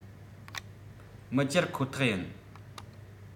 མི གཅར ཁོ ཐག ཡིན